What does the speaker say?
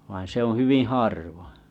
vaan se on hyvin harvoin